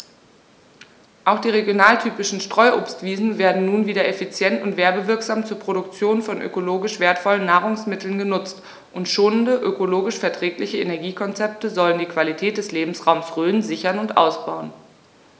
Auch die regionaltypischen Streuobstwiesen werden nun wieder effizient und werbewirksam zur Produktion von ökologisch wertvollen Nahrungsmitteln genutzt, und schonende, ökologisch verträgliche Energiekonzepte sollen die Qualität des Lebensraumes Rhön sichern und ausbauen.